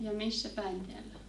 ja missä päin täällä